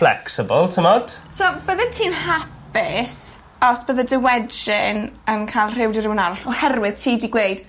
flexible t'mod? So bydde ti'n hapus os bydde dy wejen yn ca'l rhyw 'da rhywyn arall oherwydd ti 'di gweud